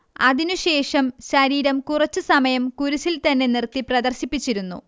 അതിനു ശേഷം ശരീരം കുറച്ചു സമയം കുരിശിൽത്തന്നെ നിർത്തി പ്രദർശിപ്പിച്ചിരുന്നു